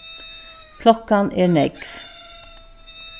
klokkan er nógv